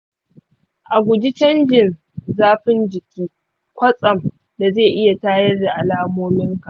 a guji canjin zafin jiki kwatsam da zai iya tayar da alamominka.